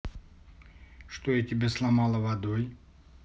что я тебя сломала водой